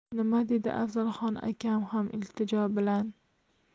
nima dedi afzalxon akam ham iltijo bilan